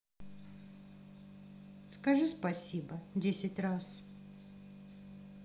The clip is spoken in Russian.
скажи спасибо десять раз